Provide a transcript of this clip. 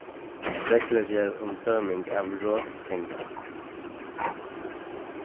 reglugerð um tøming av rottanga